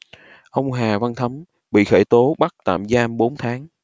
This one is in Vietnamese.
ông hà văn thắm bị khởi tố bắt tạm giam bốn tháng